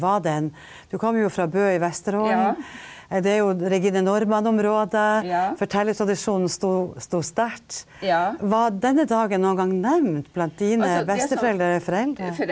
var den du kommer jo fra Bø i Vesterålen, det er jo Regine Normann-området, fortellertradisjonen sto sto sterkt, var denne dagen noen gang nevnt blant dine besteforeldre eller foreldre?